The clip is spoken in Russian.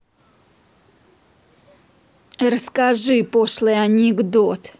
расскажи пошлый анекдот